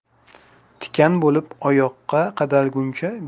tikan bo'lib oyoqqa qadalguncha